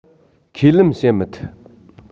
ཁས ལེན བྱེད མི ཐུབ